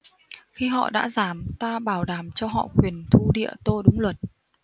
khi họ đã giảm ta bảo đảm cho họ quyền thu địa tô đúng luật